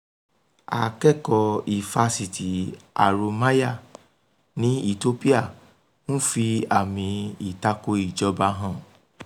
Akẹ́kọ̀ọ́ Ifásitì Haromaya ní Ethiopia ń fi àmì ìtako ìjọba hàn.